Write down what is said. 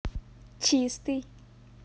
чистый